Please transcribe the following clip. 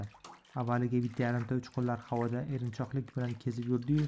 avvaliga bitta yarimta uchqunlar havoda erinchoqlik bilan kezib yurdi yu